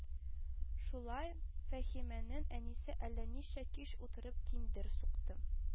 Шулай, Фәһимәнең әнисе әллә ничә кич утырып киндер сукты